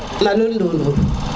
na lul nɗundun